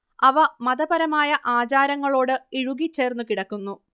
അവ മതപരമായ ആചാരങ്ങളോട് ഇഴുകിച്ചേർന്നു കിടക്കുന്നു